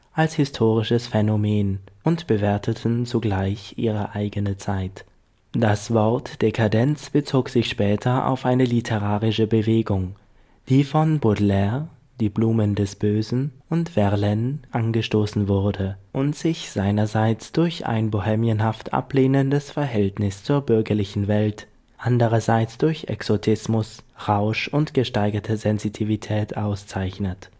als historisches Phänomen und bewerteten zugleich ihre eigene Zeit. Das Wort Dekadenz bezog sich später auch auf eine literarische Bewegung, die von Baudelaire (Die Blumen des Bösen) und Verlaine angestoßen wurde und sich einerseits durch ein bohèmienhaft ablehnendes Verhältnis zur „ bürgerlichen Welt “, andererseits durch Exotismus, Rausch und gesteigerte Sensitivität auszeichnet